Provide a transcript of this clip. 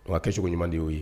Wa a kɛcogo ɲuman de y'o ye